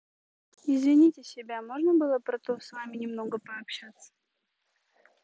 извините себя можно было про то с вами немного пообщаться